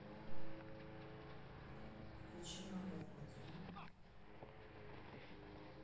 включи новое радио